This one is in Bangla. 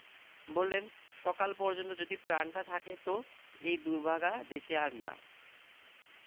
বললেন সকাল পর্যন্ত যদি প্রাণটা থাকে ত এ দুর্ভাগা দেশে আর না